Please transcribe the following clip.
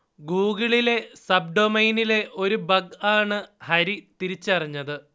ഗൂഗിളിലെ sub ഡൊമൈനിലെ ഒരു bug ആണ് ഹരി തിരിച്ചറിഞ്ഞത്